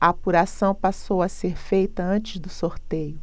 a apuração passou a ser feita antes do sorteio